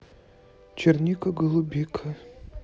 черника голубика